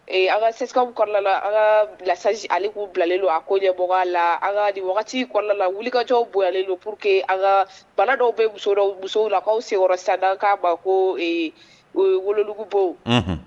An ka sese kɔnɔna an ka bilasasi ali k'u bilalenla a ko ɲɛ bɔ la an ka di wagati kɔnɔna wulika cɛw bonyalen don pur que an ka bana dɔw bɛda musow la' sɛsada k'a ba ko wololukubo